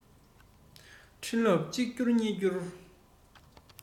འཕྲིན ལབ གཅིག བསྐུར གཉིས བསྐུར